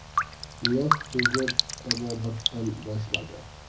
niyoz so'zni tabobatdan boshladi